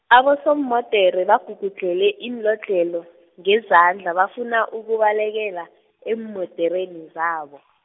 abosomodere bagugudlhele iinlodlhelo, ngezandla bafuna ukubalekela, eemodereni zabo .